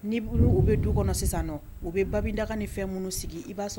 N' bolo u bɛ du kɔnɔ sisan u bɛ ba daga ni fɛn minnu sigi i'a